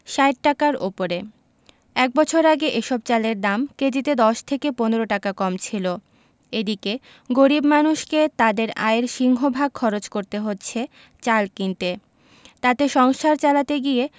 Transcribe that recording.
৬০ টাকার ওপরে এক বছর আগে এসব চালের দাম কেজিতে ১০ থেকে ১৫ টাকা কম ছিল এদিকে গরিব মানুষকে তাঁদের আয়ের সিংহভাগ খরচ করতে হচ্ছে চাল কিনতে তাতে সংসার চালাতে গিয়ে